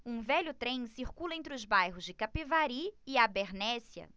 um velho trem circula entre os bairros de capivari e abernéssia